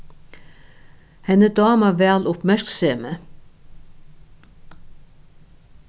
henni dámar væl uppmerksemi